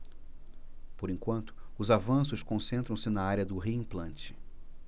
por enquanto os avanços concentram-se na área do reimplante